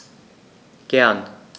Gern.